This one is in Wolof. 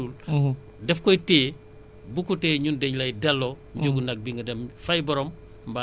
boucher yi tamit bu ñu jëndee sa benn nag nga yóbbu ko abatoir docteur bi ne nag bii wérul